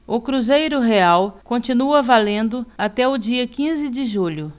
o cruzeiro real continua valendo até o dia quinze de julho